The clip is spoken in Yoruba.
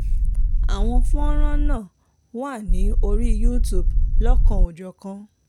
Àwọn fọ́nràn náà wà ní orí YouTube lọ́kan-ò-jọ̀kan.